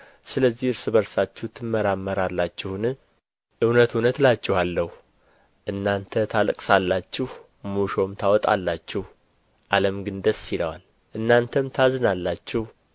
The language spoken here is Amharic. ስለዚህ እርስ በርሳችሁ ትመራመራላችሁን እውነት እውነት እላችኋለሁ እናንተ ታለቅሳለችሁ ሙሾም ታወጣላችሁ ዓለም ግን ደስ ይለዋል እናንተም ታዝናላችሁ